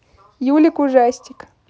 юлик ужастик